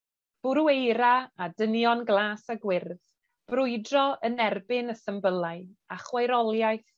bwrw eira a dynion glas a gwyrdd, brwydro yn erbyn y symbylau, a chwaeroliaeth